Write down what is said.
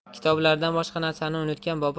kitoblardan boshqa narsani unutgan